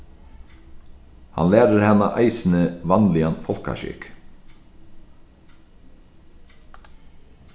hann lærir hana eisini vanligan fólkaskikk